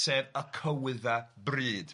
...sef y cywyddau bryd.